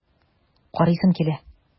Карыйсым килә!